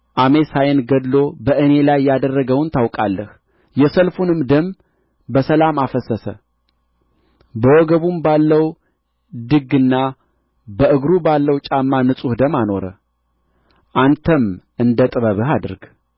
አሜሳይን ገድሎ በእኔ ላይ ያደረገውን ታውቃለህ የሰልፉንም ደም በሰላም አፈሰሰ በወገቡም ባለው ድግና በእግሩ ባለው ጫማ ንጹሕ ደም አኖረ አንተም እንደ ጥበብህ አድርግ